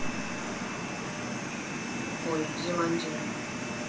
ой зеландия